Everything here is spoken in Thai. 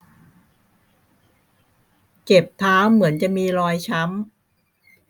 เจ็บเท้าเหมือนจะมีรอยช้ำ